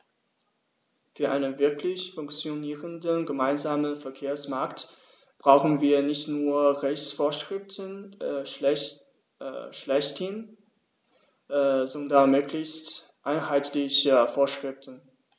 Für einen wirklich funktionierenden gemeinsamen Verkehrsmarkt brauchen wir nicht nur Rechtsvorschriften schlechthin, sondern möglichst einheitliche Vorschriften.